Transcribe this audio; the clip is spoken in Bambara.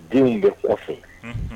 E min be kɔfɛ Unhun